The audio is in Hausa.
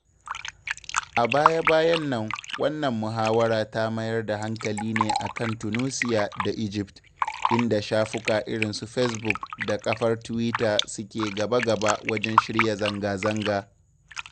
A baya-bayan nan, wannan muhawara ta mayar da hankali ne a kan Tuunusia da Egypt, inda shafuka irin su Fesbuk da kafar Tiwita suke gaba-gaba wajen shirya zanga-zanga.